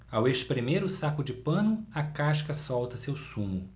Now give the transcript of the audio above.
ao espremer o saco de pano a casca solta seu sumo